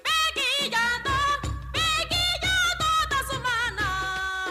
Maa katan maa ka du tɛ se la